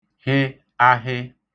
hị ahị